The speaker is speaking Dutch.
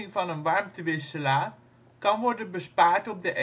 van een warmtewisselaar kan worden bespaard op de